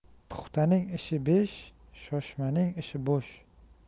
puxtaning ishi besh shoshmaning ishi bo'sh